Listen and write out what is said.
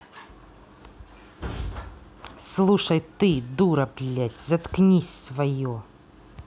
слушай ты дура блядь заткнись свое